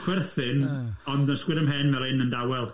Chwerthin, ond ysgwyd ym mhen fynhyn yn dawel.